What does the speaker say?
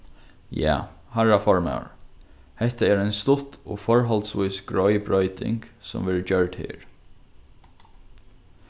ja harra formaður hetta er ein stutt og forholdsvís greið broyting sum verður gjørd her